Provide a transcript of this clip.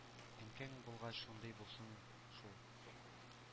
Әнкәң булгач, шундый булсын шул!